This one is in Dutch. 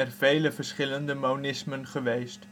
vele verschillende monismen geweest